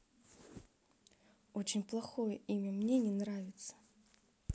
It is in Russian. очень плохое имя мне не нравится